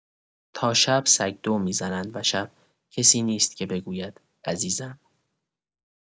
تا شب سگ‌دو می‌زنند و شب، کسی نیست که بگوید: عزیزم!